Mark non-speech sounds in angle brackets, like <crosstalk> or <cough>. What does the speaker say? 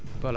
<hesitation> <hesitation>